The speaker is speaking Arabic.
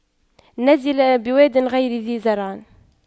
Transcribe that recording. نزل بواد غير ذي زرع